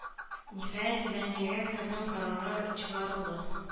Ниһаять, Фиданиягә хөкем карары чыгарылды.